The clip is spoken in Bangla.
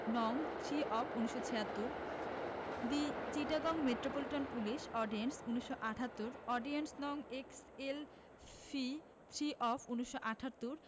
নং. Three of ১৯৭৬ the Chittagong metropolitan police ordinance ১৯৭৮ ordinance. নং X L V three of ১৯৭৮